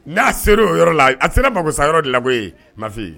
N'a ser'o yɔrɔ la, a sera magosayɔrɔ de la koyi ma fille .